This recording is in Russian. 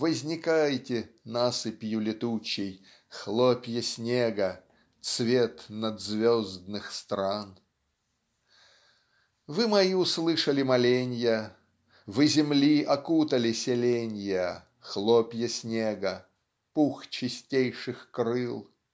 Возникайте насыпью летучей Хлопья снега цвет надзвездных стран. . Вы мои услышали моленья Вы земли окутали селенья Хлопья снега пух чистейших крыл.